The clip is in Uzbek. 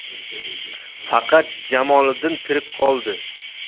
faqat jamoliddin tirik qoldi